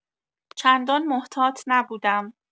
چندان محتاط نبودم.